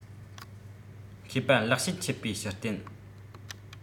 མཁས པ ལེགས བཤད འཆད པའི ཞུ རྟེན